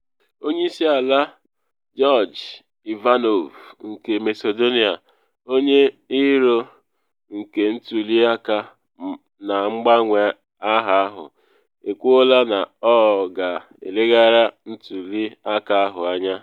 Onye Isi Ala Gjorge Ivanov nke Macedonia, onye iro nke ntuli aka na mgbanwe aha ahụ, ekwuola na ọ ga-eleghara ntuli aka ahụ anya.